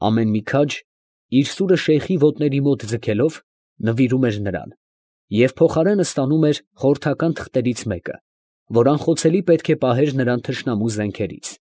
Ամեն մի քաջ, իր սուրը Շեյխի ոտների մոտ ձգելով, նվիրում էր նրան և փոխարենը ստանում էր խորհրդական թղթերից մեկը, որ անխոցելի պետք է պահեր նրան թշնամու զենքերից։